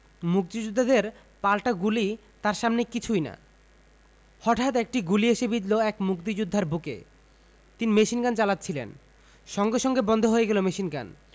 মুক্তিযোদ্ধাদের পাল্টা গুলি তার সামনে কিছুই না হতাৎ একটা গুলি এসে বিঁধল এক মুক্তিযোদ্ধার বুকে তিনি মেশিনগান চালাচ্ছিলেন সঙ্গে সঙ্গে বন্ধ হয়ে গেল মেশিনগান